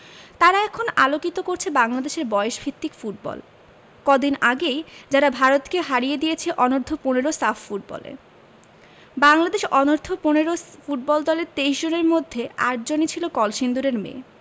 তারা এখন আলোকিত করছে বাংলাদেশের বয়সভিত্তিক ফুটবল কদিন আগেই যারা ভারতকে হারিয়ে দিয়েছে অনূর্ধ্ব ১৫ সাফ ফুটবলে বাংলাদেশ অনূর্ধ্ব ১৫ ফুটবল দলের ২৩ জনের মধ্যে ৮ জনই ছিল কলসিন্দুরের মেয়ে